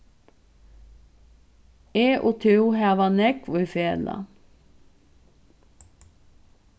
eg og tú hava nógv í felag